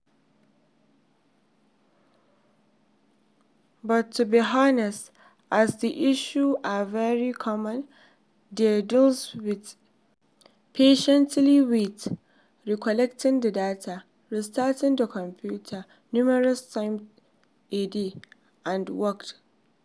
But to be honest, as these issues are very common, they dealt with it patiently, waited, re-collected the data, re-started the computers numerous times a day, and worked.